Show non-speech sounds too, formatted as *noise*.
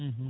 *hesitation* *hesitation*